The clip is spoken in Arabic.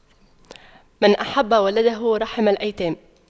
من أحب ولده رحم الأيتام